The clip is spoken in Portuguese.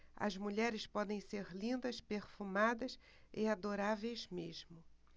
as mulheres podem ser lindas perfumadas e adoráveis mesmo